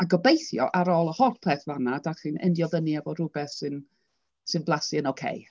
A gobeithio ar ôl y holl peth fan'na, dach chi'n endio fyny efo rywbeth sy'n sy'n blasu yn ocei.